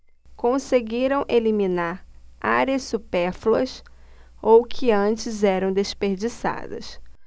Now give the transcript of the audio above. conseguiram eliminar áreas supérfluas ou que antes eram desperdiçadas